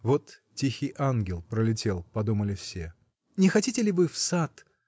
вот "тихий ангел пролетел", -- подумали все. -- Не хотите ли вы в сад?